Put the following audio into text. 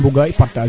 a koɓale koy